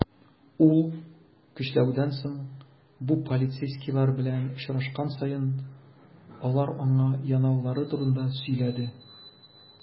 Ул, көчләүдән соң, бу полицейскийлар белән очрашкан саен, алар аңа янаулары турында сөйләде.